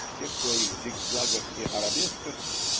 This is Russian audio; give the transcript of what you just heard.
при всех своих зигзагах и арабесках